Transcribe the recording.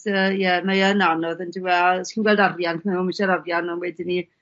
yy ie mae yn anodd on'd yw e? A os chi'n gweld arian ma' isie'r arian a wedyn 'ny